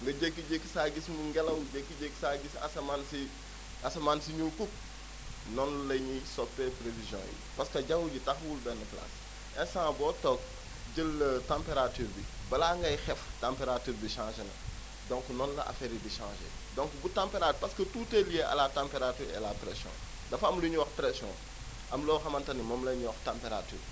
nga jékki-jékki saa gis mu ngelew jékki-jékki saa gis asamaan si asamaan si ñuul kuku noonu la ñuy soppee prévision yi parce que jawwu ji taxawul benn place instant boo toog jël température bi balaa ngay xef température bi changé na donc noonu la affaires yi di changé donc bu tempéra parce que tout est lié à la température et à la pression dafa am lu énuy wax préssion am loo xamante ni moom la ñuy wax température